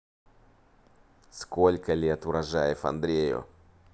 сколько лет урожаев андрею